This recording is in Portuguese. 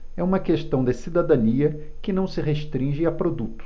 é uma questão de cidadania que não se restringe a produtos